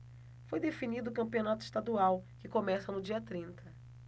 foi definido o campeonato estadual que começa no dia trinta